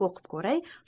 o'qib ko'ray